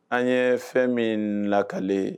An ye fɛn min lakale